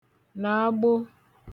nàagbo